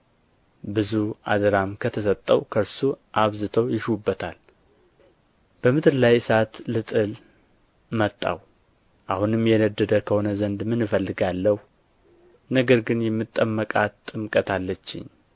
ብዙ አደራም ከተሰጠው ከእርሱ አብዝተው ይሹበታል በምድር ላይ እሳት ልጥል መጣሁ አሁንም የነደደ ከሆነ ዘንድ ምን እፈልጋለሁ ነገር ግን የምጠመቃት ጥምቀት አለችኝ